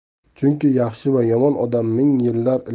chunki yaxshi va yomon odam ming yillar